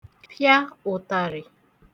pịa ụ̀tàrị̀